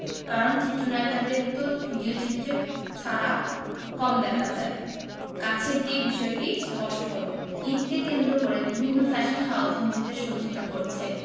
কারণ চিত্রনায়িকাদের তো ভিডিওচিত্রে ছাড়া কম দেখা যায় কাছে গিয়ে বিষয়টি স্পষ্ট হলো ঈদকে কেন্দ্র করে বিভিন্ন ফ্যাশন হাউজ নিজেদের সজ্জিত করছে